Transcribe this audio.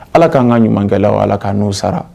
Ala k'an ka ɲumankɛlaw ala k' n'u sara